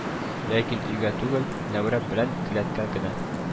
Ләкин өйгә түгел, нәүрәп белән келәткә генә